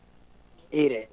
UREE